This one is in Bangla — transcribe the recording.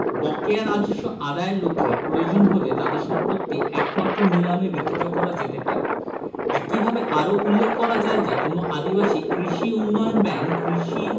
বকেয়া রাজস্ব আদাযের লক্ষে প্রয়োজন হলে তাদের সম্পত্তি একমাত্র নিলামে বিক্রয় করা যেতে পারে একইভাবে আরো উল্লেখ করা যায় যে কোন আদিবাসী কৃষি উন্নয়ন ব্যাংক কৃষি